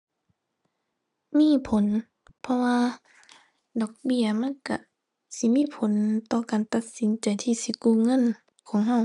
มีผล เพราะว่าดอกเบี้ยมันก็สิมีผลต่อการตัดสินใจที่สิกู้เงินของก็